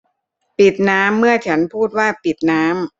ปิดน้ำเมื่อฉันพูดว่าปิดน้ำ